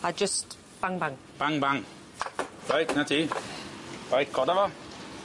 A jyst bang bang. Bang bang. Reit, 'na ti. Reit, coda fo.